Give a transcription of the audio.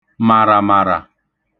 màràmàrà